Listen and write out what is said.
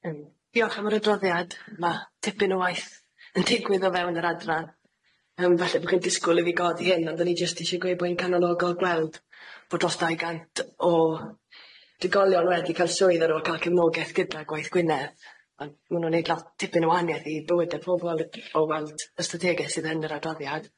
Yym diolch am yr adroddiad ma' tipyn o waith yn digwydd o fewn yr adran yym falle bo' chi'n disgwl i fi godi hyn ond o'n i jyst ishe gweud bo' hi'n galonogol gweld bo dros dau gant o digolion wedi ca'l swydd ar ôl ca'l cymlogeth gyda Gwaith Gwynedd ond ma' nw'n neud lot tipyn o wanieth i bywyde pobol o weld ystadege sydd yn yr adroddiad.